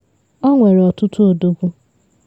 Ọ nwere ọtụtụ odogwu.